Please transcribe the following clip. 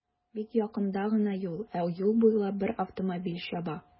Бик якында гына юл, ә юл буйлап бер автомобиль чаба.